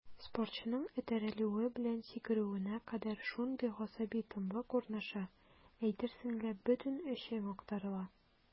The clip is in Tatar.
Спортчының этәрелүе белән сикерүенә кадәр шундый гасаби тынлык урнаша, әйтерсең лә бөтен эчең актарыла.